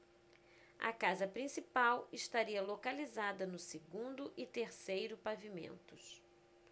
a casa principal estaria localizada no segundo e terceiro pavimentos